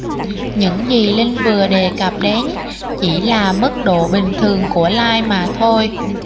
những gì linh vừa đề cập đến chỉ là mức độ bình thường của like mà thôi